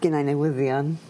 Ginnai newyddion.